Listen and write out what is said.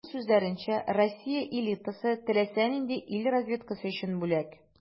Аның сүзләренчә, Россия элитасы - теләсә нинди ил разведкасы өчен бүләк.